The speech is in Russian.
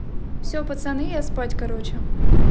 все пацаны я спать короче